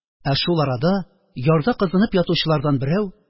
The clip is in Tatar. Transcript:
Ә шул арада ярда кызынып ятучылардан берәү,